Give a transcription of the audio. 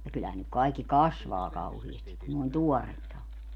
ja kyllähän nyt kaikki kasvaa kauheasti kun noin tuoretta on